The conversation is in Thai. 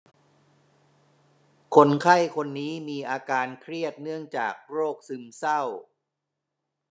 คนไข้คนนี้มีอาการเครียดเนื่องจากโรคซึมเศร้า